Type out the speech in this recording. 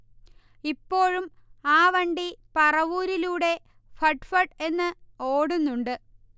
ഇപ്പോഴും ആ വണ്ടി പറവൂരിലൂടെ ഫട്ഫട് എന്ന് ഓടുന്നുണ്ട്